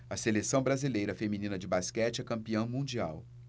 a seleção brasileira feminina de basquete é campeã mundial